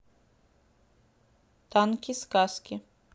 танки сказки